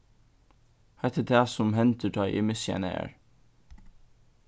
hetta er tað sum hendir tá eg missi eina ær